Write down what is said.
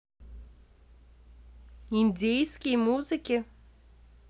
индейские музыки